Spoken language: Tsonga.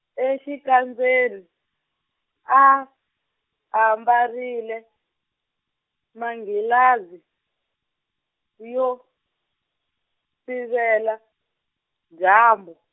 exikandzeni, a, ambarile, manghilazi, yo, sivela, dyambu.